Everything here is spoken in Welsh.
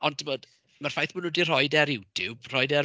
Ond timod ma'r ffaith bod nhw 'di rhoid e ar Youtube, rhoid e ar...